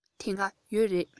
དེ སྔ ཡོད རེད